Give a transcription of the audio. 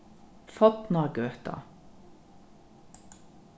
fornagøta